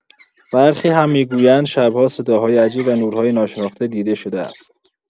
برخی هم می‌گویند، شب‌ها صداهای عجیب و نورهای ناشناخته دیده شده است.